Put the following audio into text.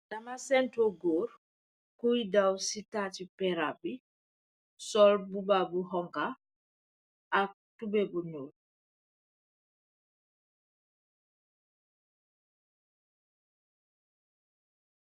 Dama sentu korr bui duw si tatu terasbi mukeh sol yereh bu hoxha ak tu bai bu njul